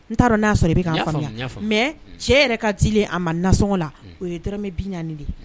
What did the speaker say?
N t taaraa n'a sɔrɔ i bɛ fa mɛ cɛ yɛrɛ ka di a ma nasɔngɔ la o ye dɔrɔmɛ bin naaniani de ye